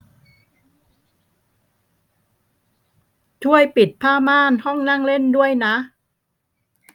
ช่วยปิดผ้าม่านห้องนั่งเล่นด้วยนะ